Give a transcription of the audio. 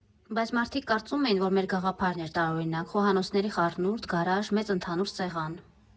Բայց մարդիկ կարծում էին, որ մե՛ր գաղափարն էր տարօրինակ՝ խոհանոցների խառնուրդ, գարաժ, մեծ ընդհանուր սեղան.